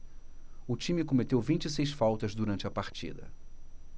o time cometeu vinte e seis faltas durante a partida